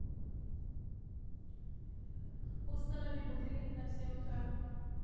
установи будильник на семь утра